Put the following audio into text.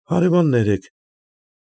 Հարևաններ եք։